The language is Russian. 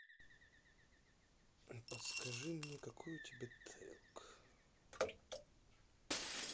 подскажи мне какой у тебя talk